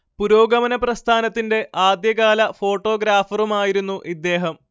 പുരോഗമന പ്രസ്ഥാനത്തിന്റെ ആദ്യകാല ഫോട്ടോഗ്രാഫറുമായിരുന്നു അദ്ദേഹം